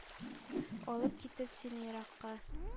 Алып китеп сине еракка,